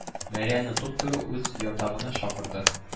Мәрьямне туп-туры үз ятагына чакырды